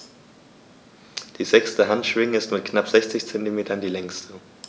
Die sechste Handschwinge ist mit knapp 60 cm die längste.